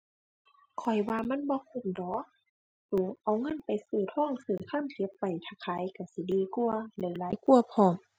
ข้อยว่ามันบ่คุ้มดอก สู้เอาเงินไปซื้อทอง ซื้อคำ เก็บไว้ท่าขายก็สิดีกว่า ได้หลายกว่าพร้อม